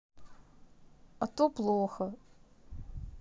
а то плохо